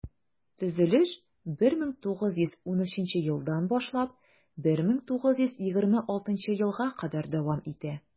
Төзелеш 1913 елдан башлап 1926 елга кадәр дәвам итә.